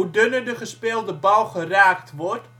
dunner ' de gespeelde bal geraakt wordt